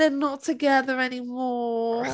They're not together anymore.